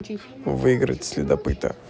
выиграть следопыта